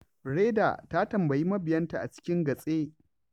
Reyder ta tambayi mabiyanta a cikin gatse.